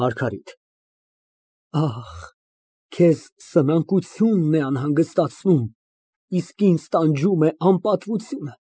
ՄԱՐԳԱՐԻՏ ֊ Ախ, քեզ սնանկությունն է անհանգստացնում, իսկ ինձ տանջում է անպատվությունը։